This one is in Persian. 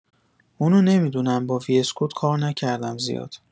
اونو نمی‌دونم با وی اس کد کار نکردم زیاد